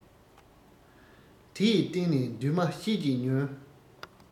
དེ ཡི སྟེང ནས འདུན མ བཤད ཀྱི ཉོན